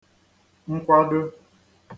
-nkwado